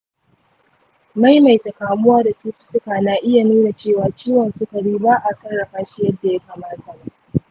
maimaita kamuwa da cututtuka na iya nuna cewa ciwon sukari ba a sarrafa shi yadda ya kamata ba.